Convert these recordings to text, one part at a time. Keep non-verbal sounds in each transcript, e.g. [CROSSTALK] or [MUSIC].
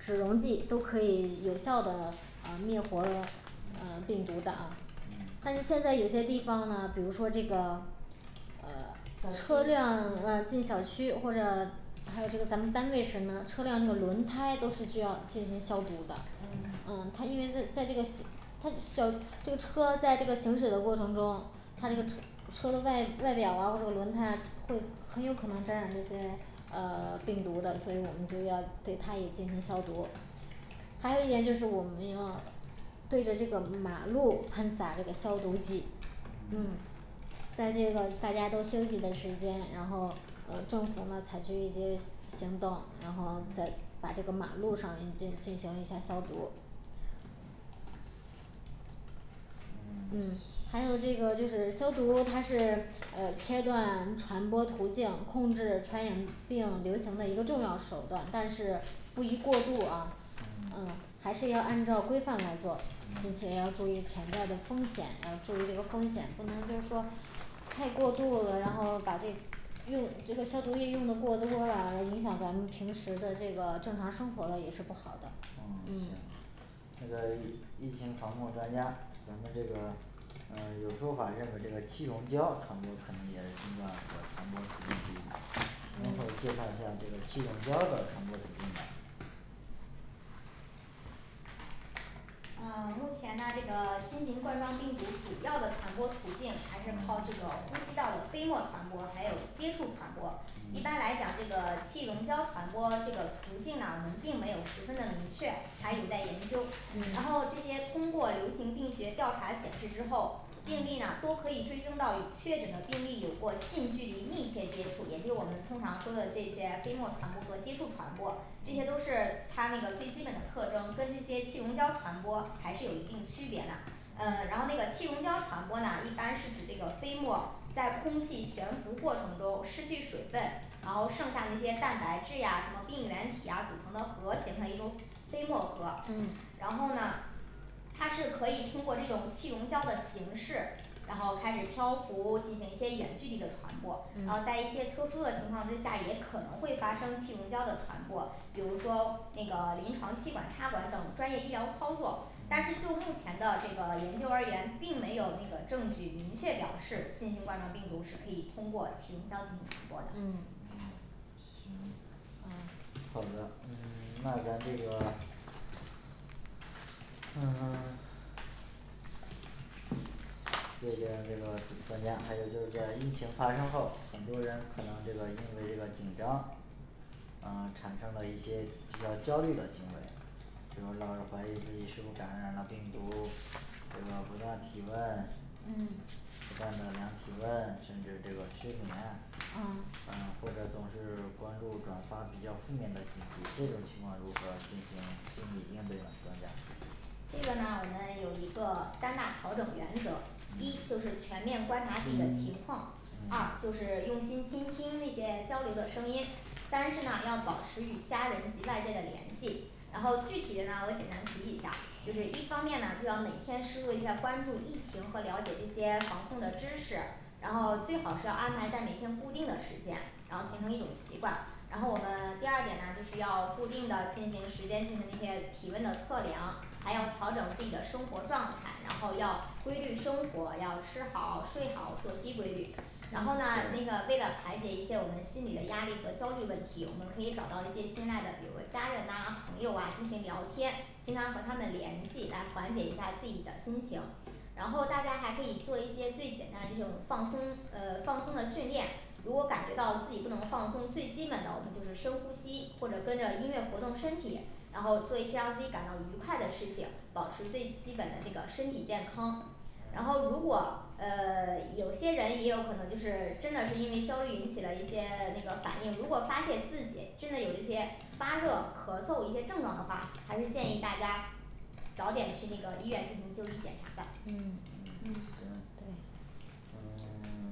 脂溶剂都可以有效的呃灭活呃病毒的啊但是现在有些地方呢，比如说这个呃小车区辆呃进小区，或者还有这个咱们单位什么车辆那个轮胎都是需要进行消毒的，嗯嗯它因为在在这个它小推车在这个行驶的过程中，它那个车的外外表啊或者轮胎会很有可能沾染这些呃病毒的，所以我们就要对它也进行消毒还有一点就是我们要对着这个马路喷洒这个消毒剂嗯嗯在这个大家都休息的时间，然后呃政府呢采取一些行动，然后再把这个马路上一些进行一下消毒。嗯嗯还有那个就行是消毒，它是呃切断传播途径，控制传染病流行的一个重要手段，但是不宜过度啊嗯还嗯是要按照规范来做，并且要注意潜在的风险，要注意这个风险，不能就是说太过度了，然后把这个用别的消毒液用的过多了，影响咱们平时的这个正常生活也是不好的嗯嗯行那个疫情防控专家，咱们这个嗯有时候吧认为这个气溶胶传播途径也是希望通过能否介绍一下气溶胶的传播途径呢啊目前呢这个新型冠状病毒主要的传播途径还是靠这个呼吸道的飞沫传播，还有接触传播一般来讲气溶胶传播这个途径呢我们并没有十分的明确，还有待研究，然后这些通过流行病学调查显示之后病例呢都可以追踪到与确诊的病例有过近距离密切接触，也就是我们通常说的这些飞沫传播和接触传播这些都是它那个最基本的特征，跟这些气溶胶传播还是有一定区别呢呃然后那个气溶胶传播呢一般是指这个飞沫在空气悬浮过程中失去水分，然后剩下那些蛋白质呀什么病原体呀组成的核形成一种飞沫核然后呢它是可以通过这种气溶胶的形式然后开始漂浮，进行一些远距离的传播，然后在一些特殊的情况之下也可能会发生气溶胶的传播比如说那个临床气管插管等专业医疗操作但是就目前的这个研究而言，并没有那个证据明确表示新型冠状病毒是可以通过气溶胶进行传播的。嗯嗯行嗯好的嗯那咱这个嗯 [SILENCE] 还有就是说疫情发生后很多人可能这个因为这个紧张呃产生了一些比较焦虑的行为比如老是怀疑自己是否感染了病毒，这个不断体温，嗯不断的量体温，甚至这个失眠，啊啊或者总是关注转发比较负面的信息，这种情况如何进行？面对呢专家？这个呢我们有一个三大调整原则，一就是全面观察自己的情况二就是用心倾听那些交流的声音。 三是呢要保持与家人及外界的联系。然后具体的呢我简单提一下，就是一方面呢就要每天深入一下关注疫情和了解这些防控的知识然后最好是要安排在每天固定的时间，然后形成一种习惯。然后我们第二点呢就是要固定的进行行时间进行的一些体温的测量还要调整自己的生活状态，然后要规律生活要吃好睡好作息规律，然后呢那个为了排解一些我们心里的压力和焦虑问题，我们可以找到一些信赖的，比如说家人呐朋友啊进行聊天经常和他们联系来缓解一下自己的心情然后大家还可以做一些最简单的这种放松呃放松的训练如果感觉到自己不能放松，最基本的我们就是深呼吸或者跟着音乐活动身体然后做一些让自己感到愉快的事情，保持最基本的这个身体健康，然后如果呃 [SILENCE] 有些人也有可能就是真的是因为焦虑引起了一些那个反应如果发现自己真的有这些发热咳嗽一些症状的话，还是建议大家早点去那个医院进行就医检查的嗯，行对嗯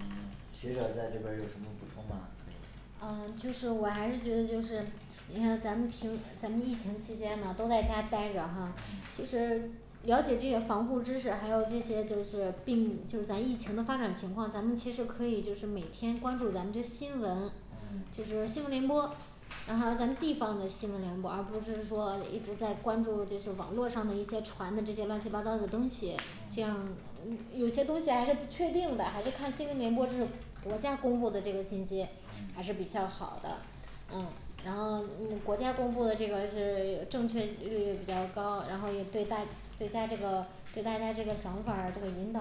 [SILENCE] 学者在这边儿有什么补充吗可以呃就是我还是觉的就是你看咱们情咱们疫情期间嘛都在家呆着哈其实了解这些防护知识，还有这些就是病就是咱疫情的发展情况，咱们其实可以就是每天关注咱们这新闻就是新闻联播，然后咱们地方的新闻联播，而不是说一直在关注就是网络上的一些传的这些乱七八糟的东西像嗯有些东西还是不确定的还是看新闻联播就是国家公布的这个信息还是比较好的嗯然后嗯国家公布的这个是正确率比较高，然后又对大对大家这个对大家这个想法儿啊这个引导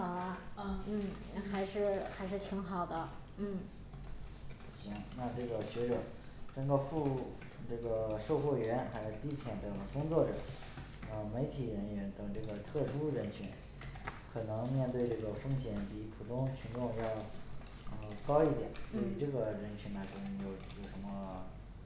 嗯嗯还嗯是还是挺好的。行那这个学者，那个副这个售货员，还有地铁等工作的呃媒体人员等这个特殊人群可能面对这个风险比普通群众要噢高一点，所嗯以这个请大家能够有什么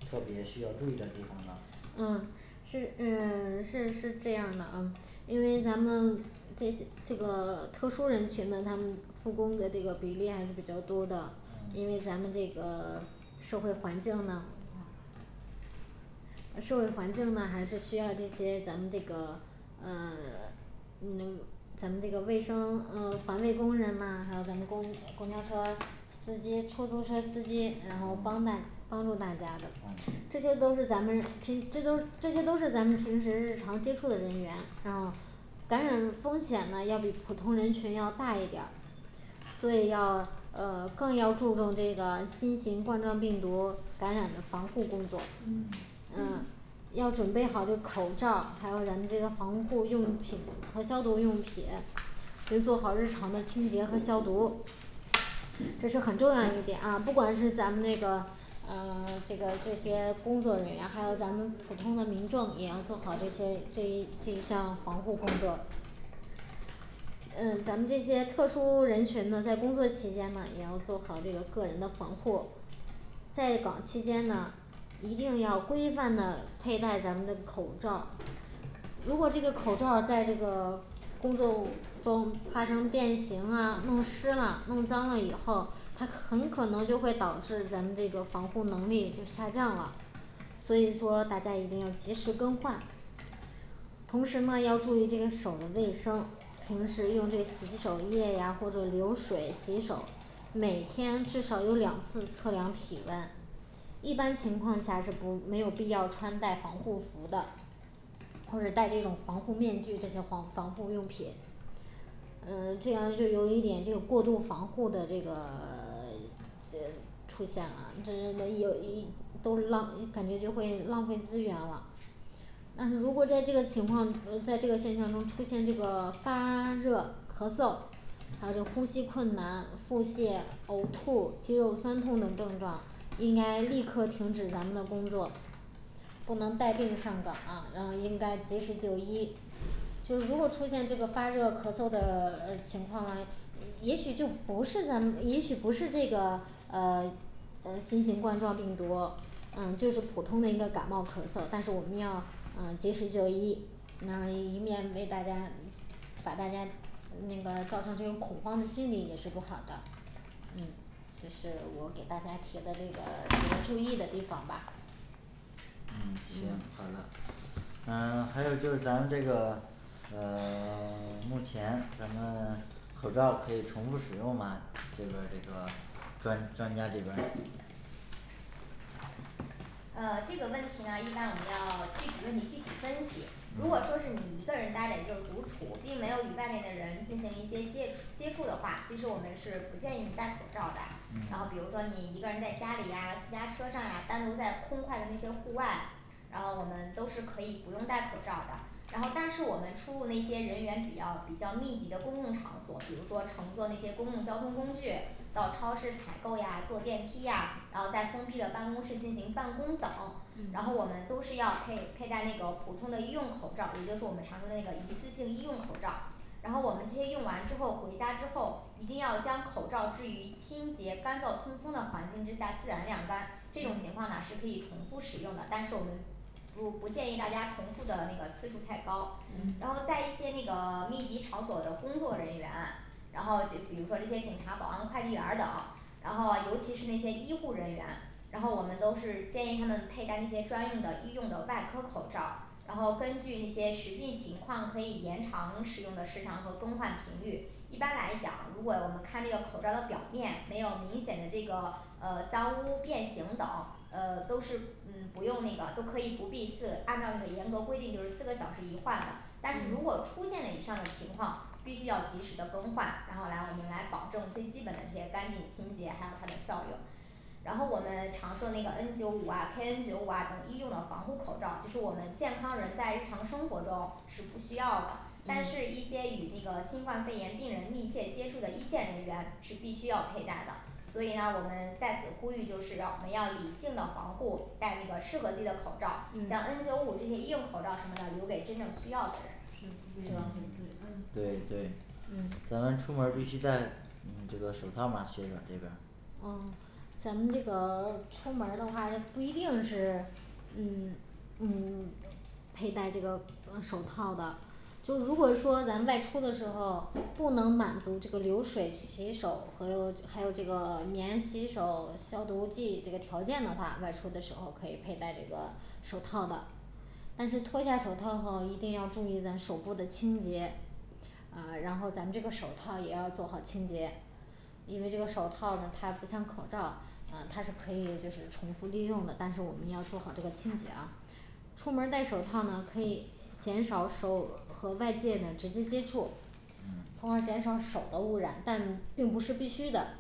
特别需要注意的地方呢嗯是嗯 [SILENCE] 是是这样的啊因为咱们这这个特殊人群呢他们护工的这个比例还是比较多的，因为咱们这个社会环境呢呃社会环境呢还是需要这些咱们这个呃 [SILENCE] 嗯咱们这个卫生呃环卫工人呢，还有咱们公公交车司机，出租车司机，然后帮办帮助大家的感染风险呢要比普通人群要大一点儿，所以要呃更要注重这个新型冠状病毒感染的防护工作&嗯&嗯要准备好这个口罩儿，还有咱们这个防护用品和消毒用品并做好日常的清洁和消毒，这是很重要的一点啊，不管是咱们这个啊 [SILENCE] 这个这些工作人员，还有咱们普通的民众，也要做好这些这一这一项防护工作。嗯咱们这些特殊人群呢在工作期间也要做好这个个人的防护在岗期间呢一定要规范的佩戴咱们的口罩如果这个口罩在这个工作中发生变形啊，弄湿了，弄脏了以后它很可能就会导致咱这个防护能力就下降了所以说大家一定要及时更换同时呢要注意这个手的卫生，平时用这洗手液呀或者流水洗手，每天至少有两次测量体温一般情况下是不没有必要穿戴防护服的或者带这种防护面具这叫防防护用品呃这样就有一点这个过度防护的这个呃出现了，这是有一都浪感觉就会浪费资源了。但是如果在这个情况，比如在这个现象中出现这个发热、咳嗽还有就呼吸困难、腹泻、呕吐、肌肉酸痛等症状，应该立刻停止咱们的工作不能带病上岗啊，然后应该及时就医。如果出现发热咳嗽的情况呢，也许就不是咱们也许不是这个呃呃新型冠状病毒，嗯就是普通的一个感冒咳嗽，但是我们要呃及时就医，嗯以免被大家把大家那个造成这种恐慌的心理也是不好的嗯这是我给大家提的这个注意的地方吧嗯行好的。嗯 还有就是咱们这个呃目前咱们口罩可以重复使用吗？这边这个专专家这边。这个问题呢一般我们要具体问题具体分析如果说是你一个人呆着就是独处，并没有与外面的人进行一些接触接触的话，其实我们是不建议戴口罩的然后比如说你一个人在家里私家车上啊单独在空块的那些户外，然后我们都是可以不用戴口罩的，然后但是我们出入那些人员比较比较密集的公共场所，比如说乘坐那些公共交通工具到超市采购呀坐电梯呀，然后在封闭的办公室进行办公等然后我们都是要配佩戴那个普通的医用口罩，也就是我们常说的一次性医用口罩然后我们这些用完之后，回家之后，一定要将口罩置于清洁干燥通风的环境之下自然晾干这种情况呢是可以重复使用的，但是我们不不建议大家重复的那个次数太高，然后在一些那个密集场所的工作人员然后就比如说这些警察保安快递员儿等，然后尤其是那些医护人员然后我们都是建议他们佩戴那些专用的医用的外科口罩，然后根据那些实际情况可以延长使用的时长和更换频率一般来讲，如果我们看这个口罩儿的表面没有明显的这个呃脏污变形等呃都是你不用那个都可以不必四按照严格规定就是四个小时一换的，但是如果出现了以上的情况，必须要及时的更换，然后来我们来保证最基本的这些干净清洁，还有它的效用。然后我们常说的那个N九五啊TN九五啊等医用的防护口罩，就是我们健康人在日常生活中是不需要的，但是一些与那个新冠肺炎病人密切接触的一线人员是必须要佩戴的所以呢我们在此呼吁就是要我们要理性的防护带适合自己的口罩，将N九嗯五这些医用口罩什么的留给真正需要的人是不必浪费资，嗯对嗯对。嗯咱们出门儿必须戴嗯这个手套吗学者这边儿嗯咱们这个出门的话不一定是嗯嗯配戴这个手套的就如果说咱外出的时候不能满足这个流水洗手和还有这个免洗手消毒剂这个条件的话，外出的时候可以佩戴这个手套的但是脱下手套后一定要注意咱手部的清洁嗯然后咱们这个手套也要做好清洁，因为这个手套呢它不像口罩，嗯它是可以就是重复利用的，但是我们一定要做好这个清洁啊出门儿戴手套呢可以减少手和外界的直接接触，嗯从而减少手的污染，但并不是必须的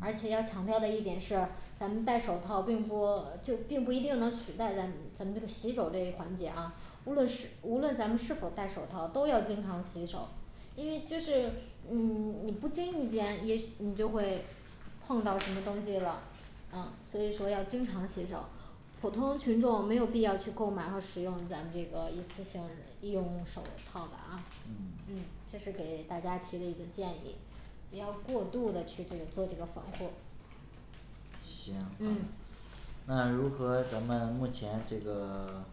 而且要强调的一点是咱们戴手套并不并不一定能取代咱咱们洗手这一环节啊，无论是无论咱们是否戴手套都要经常洗手因为就是你不经意间也许你就会碰到什么东西了，啊所以说要经常洗手普通群众没有必要去购买和使用咱们这个一次性医用手套的啊嗯嗯这是给大家提的一个建议，不要过度的去这个做这个防护行。嗯那如何咱们目前这个 [SILENCE]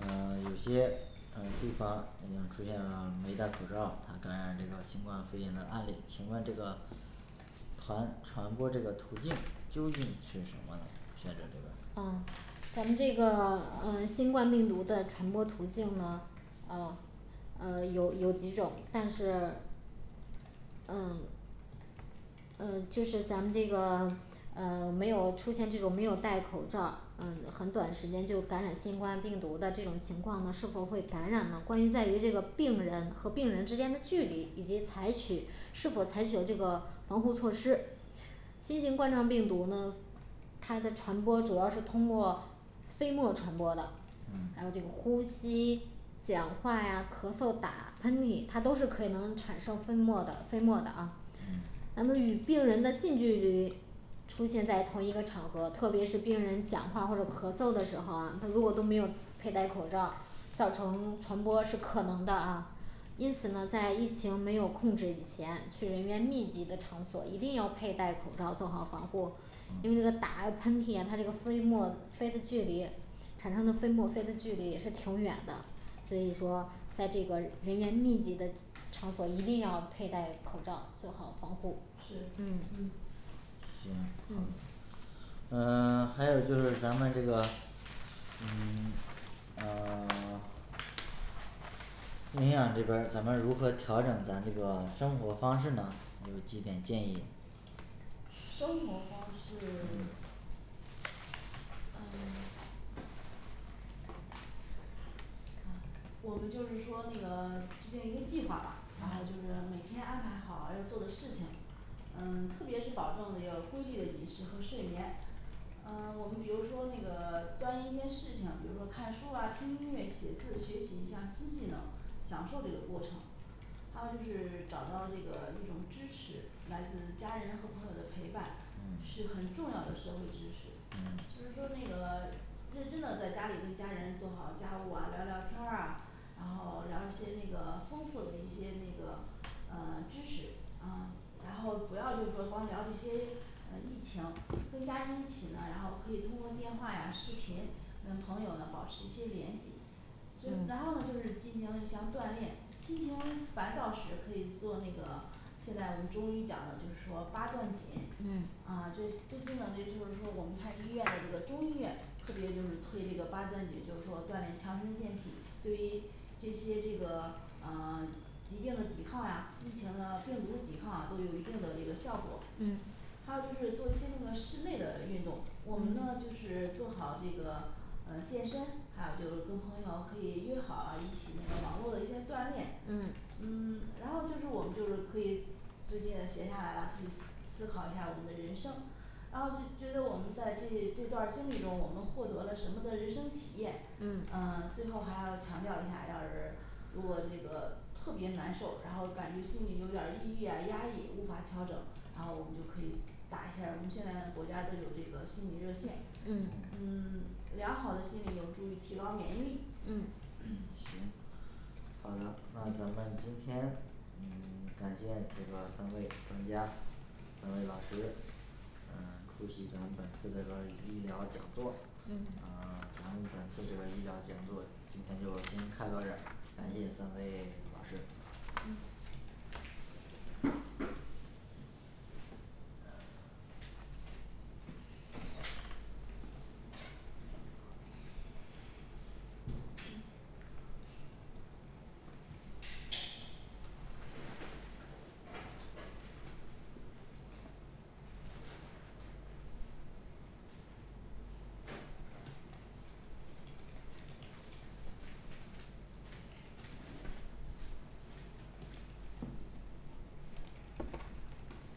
呃有些呃地方已经出现了没戴口罩的主要感染这个新冠肺炎这个情案例请问这个传传播这个途径究竟是什么呢学者啊咱们这个呃新冠病毒的传播途径呢啊呃有几种但是呃嗯就是咱们这个 [SILENCE] 呃没有出现这种没有戴口罩，呃很短时间就感染新冠病毒的这种情况，是否会感染呢，关于在于病人和病人之间的距离，以及采取是否采取这个防护措施，新型冠状病毒它的传播主要是通过飞沫传播的，还有这个呼吸讲话呀、咳嗽、打喷嚏，它都是可能产生飞沫的飞沫的啊然后与病人的近距离出现在同一个场合，特别是病人讲话或者咳嗽的时候啊，他如果都没有佩戴口罩，造成传播是可能的啊因此在疫情没有控制以前，去人员密集的场所一定要佩戴口罩做好防护因为这个打喷嚏它这个飞沫飞的距离产生的飞沫飞的距离也是挺远的所以说在这个人员密集的场所一定要佩戴口罩做好防护是嗯。行嗯嗯还有就是咱们这个嗯 [SILENCE] 啊 [SILENCE] 营养这边咱们如何调整咱这个生活方式呢？有几点建议生活方式嗯嗯我们就是说那个制定一个计划，然后每天安排好要做的事情呃特别是保证有规律的饮食和睡眠。呃我们比如说装一件事情，比如说看书啊、听音乐、写字学习一项新技能享受这个过程还有就是找到这个一种支持，来自家人和朋友的陪伴是很重要的社会支持，就是说那个认真的在家里跟家人做好家务啊，聊聊天儿啊然后聊一些那个丰富的一些那个啊知识啊啊然后不要就是说光聊这些疫情跟家人一起呢，然后可以通过电话视频跟朋友保持一些联系之然后呢就是进行一项锻炼，心情烦躁时可以做那个现在我们中医讲的就是说八段锦嗯啊最最基本的就是说我们看医院的这个中医院，特别就是推这个八段锦，就是说锻炼强身健体，对于这些这个呃 [SILENCE] 疾病的抵抗呀，疫情的病毒的抵抗都有一定的这个效果嗯还有做一些室内的运动，我们呢就是做好这个嗯健身，还有跟朋友可以约好一起那个网络的一些锻炼，然后我们可以最近写下来了，可以思考一下我们的人生，然后就觉得我们在这这段儿经历中我们获得了什么的人生体验嗯嗯 [SILENCE] 最后还要强调一下，要是如果这个特别难受，然后感觉心里有点儿抑郁啊压抑，无法调整然后我们就可以打一下儿，我们现在国家都有这个心理热线，嗯嗯 [SILENCE] 良好的心理有助于提高免疫力嗯嗯行好的，那咱们今天感谢这个三位专家呃就嗯出席咱们本次的个医疗讲座，嗯嗯 [SILENCE] 然后本次这个医疗讲座今天就先开到这儿感谢三位老师，嗯